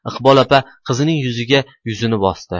iqbol opa qizining yuziga yuzini bosdi